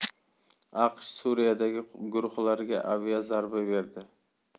aqsh suriyadagi guruhlarga aviazarba berdi